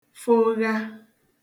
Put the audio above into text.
fogha